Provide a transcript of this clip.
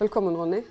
velkommen Ronni.